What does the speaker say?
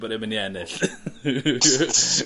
...bod e myn' i ennill. .